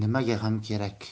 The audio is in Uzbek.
nimaga ham kerak